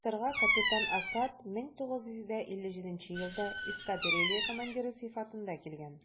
СССРга капитан Асад 1957 елда эскадрилья командиры сыйфатында килгән.